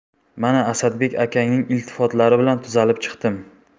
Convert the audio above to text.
mana asadbek akangning iltifotlari bilan tuzalib chiqdim